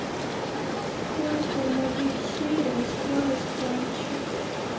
сколько у моей серия осталась танчик